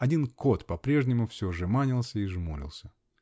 один кот по-прежнему все жеманился и жмурился.